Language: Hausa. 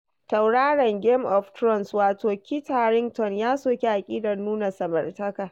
Tauraron Game of Thrones wato Kit Harington ya soki aƙidar nuna samartaka